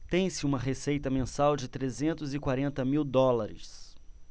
tem-se uma receita mensal de trezentos e quarenta mil dólares